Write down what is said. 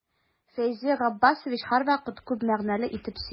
Фәйзи Габбасович һәрвакыт күп мәгънәле итеп сөйли.